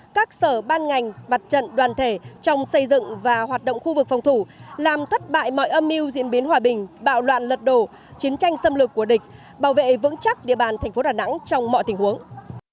các sở ban ngành mặt trận đoàn thể trong xây dựng và hoạt động khu vực phòng thủ làm thất bại mọi âm mưu diễn biến hòa bình bạo loạn lật đổ chiến tranh xâm lược của địch bảo vệ vững chắc địa bàn thành phố đà nẵng trong mọi tình huống